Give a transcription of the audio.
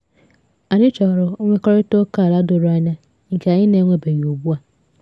Anyị chọrọ nkwekọrịta okeala doro anya nke anyị na-enwebeghị ugbu a.